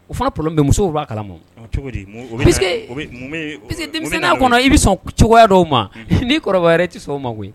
O fana pbɛnmuso b'a kalama cogo denmisɛnnin kɔnɔ i bɛ sɔn dɔw ma n' kɔrɔ tɛ sɔn o ma koyi